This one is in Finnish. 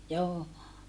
joo